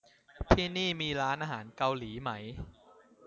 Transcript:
ที่นี่มีร้านอาหารเกาหลีไหม